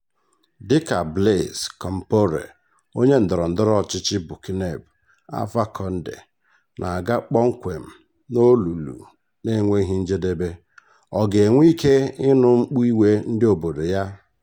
Dị ka Blaise Compaoré [onye ndọrọ ndọrọ ọchịchị Burkinabé] Alpha Condé na-aga kpomkwem n'olulu na-enweghị njedebe, Ọ ga-enwe ike ịnụ mkpu iwe ndị obodo ya?